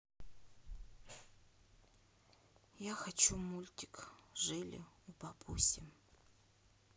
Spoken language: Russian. я хочу мультик жили у бабуси